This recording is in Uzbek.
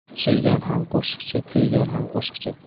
suygan ham qo'shiqchi kuygan ham qo'shiqchi